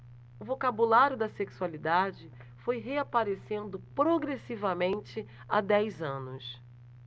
o vocabulário da sexualidade foi reaparecendo progressivamente há dez anos